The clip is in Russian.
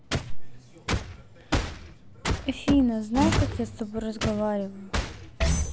афина знай как я с тобой разговариваю